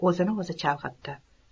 o'zini o'zi chalg'itdi